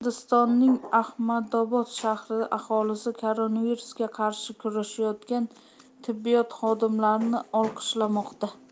hindistonning ahmadobod shahri aholisi koronavirusga qarshi kurashayotgan tibbiyot xodimlarini olqishlamoqda